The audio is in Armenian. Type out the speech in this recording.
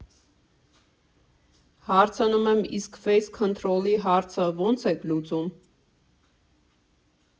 Հարցնում եմ՝ իսկ ֆեյս֊քընթրոլի հարցը ո՞նց եք լուծում։